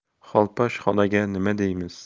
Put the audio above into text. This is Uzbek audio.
xolposh xolaga nima deymiz